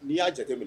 Ni y'a jate minɛ